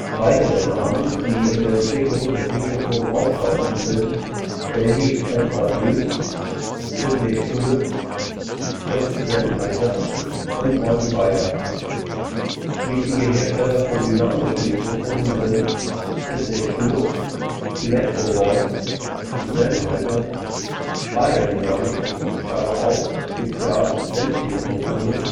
Weitere Namen, die in der Entwicklung des Mikrofons auftauchen, sind: David Edward Hughes, Sidney Shure, Fritz Sennheiser, Eugen Beyer. Wichtige Hersteller von dynamischen Mikrofonen: Sidney Shure, Electrovoice, Sennheiser, Beyerdynamic (Spezialität: Bändchenmikrofone